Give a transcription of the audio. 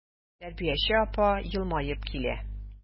Тәрбияче апа елмаеп килә.